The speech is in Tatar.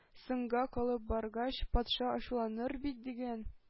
Соңга калып баргач, патша ачуланыр бит! — дигән.